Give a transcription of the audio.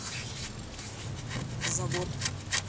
завод